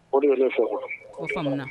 O nana ne fɔ